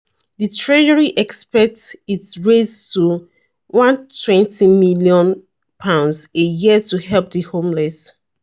The Treasury expects it raise up to £120 million a year- to help the homeless